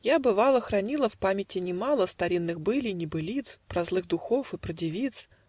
Я, бывало, Хранила в памяти не мало Старинных былей, небылиц Про злых духов и про девиц